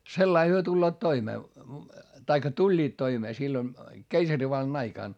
sillä lailla he tulevat toimeen tai tulivat toimeen silloin keisarivallan aikana